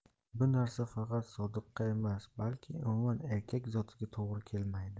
bu narsa faqat sodiqqa emas balki umuman erkak zotiga to'g'ri kelmaydi